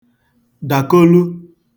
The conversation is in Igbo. dàkolu